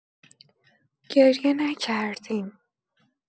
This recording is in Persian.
گریه نکردیم.